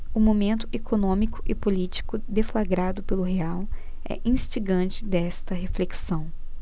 o momento econômico e político deflagrado pelo real é instigante desta reflexão